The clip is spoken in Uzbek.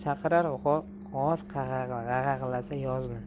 chaqirar g'oz g'ag'alasa yozni